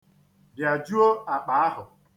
Bịajuo akpa ahụ.